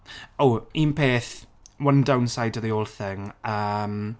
O un peth one downside to the whole thing. yym